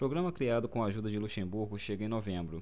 programa criado com a ajuda de luxemburgo chega em novembro